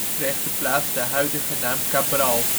kreeg de plaats de huidige naam Cabral